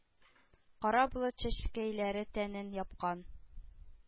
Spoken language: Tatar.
Кара болыт чәчкәйләре тәнен япкан;